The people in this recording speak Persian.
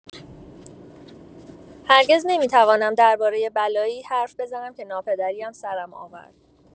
هرگز نمی‌توانم درباره بلایی حرف بزنم که ناپدری‌ام سرم آورد.